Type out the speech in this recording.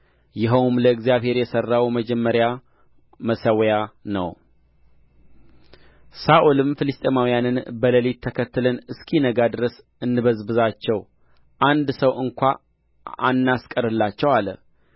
ይኸውም ለእግዚአብሔር የሠራው መጀመሪያ መሠዊያ ነው ሳኦልም ፍልስጥኤማውያንን በሌሊት ተከትለን እስኪነጋ ድረስ እንበዝብዛቸው አንድ ሰው እንኳ አናስቀርላቸው አለ